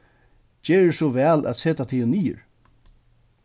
gerið so væl at seta tygum niður